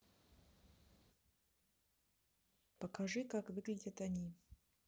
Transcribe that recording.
покажи как выглядят они